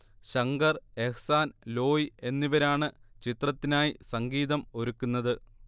ശങ്കർ, എഹ്സാൻ, ലോയ് എന്നിവരാണ് ചിത്രത്തിനായി സംഗീതം ഒരുക്കുന്നത്